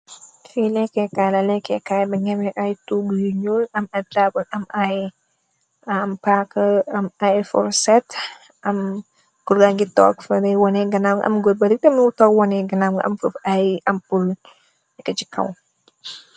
fi lekkekai la lekke kaay ba nge ame ay tuguh yu ñul am ay tabal am aye paka am ay forset am goor ngi toog faleh wone ganawam am gur bale ngi tok wone ganawam nga am fuf ay ample yu neka ci kaw